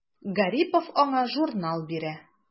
Гарипов аңа журнал бирә.